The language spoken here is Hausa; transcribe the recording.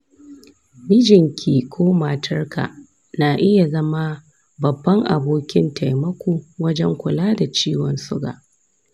mijinki ko matarka na iya zama babban abokin taimako wajen kula da ciwon suga.